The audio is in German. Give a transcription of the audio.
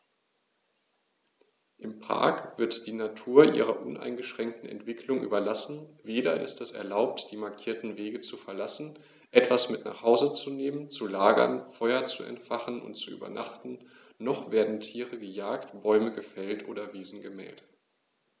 Im Park wird die Natur ihrer uneingeschränkten Entwicklung überlassen; weder ist es erlaubt, die markierten Wege zu verlassen, etwas mit nach Hause zu nehmen, zu lagern, Feuer zu entfachen und zu übernachten, noch werden Tiere gejagt, Bäume gefällt oder Wiesen gemäht.